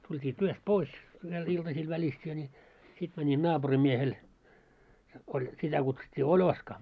tultiin työstä pois vielä iltasella välistä niin sitten menin naapurinmiehelle oli sitä kutsuttiin Oloska